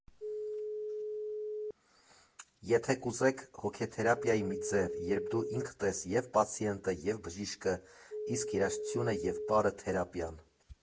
Եթե կուզեք՝ հոգեթերապիայի մի ձև, երբ դու ինքդ ես և՛ պացիենտը, և՛ բժիշկը, իսկ երաժշտությունը և պարը՝ թերապիան։